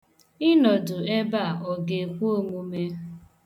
Ịnọdụ ebe a ọ ga-ekwe omume?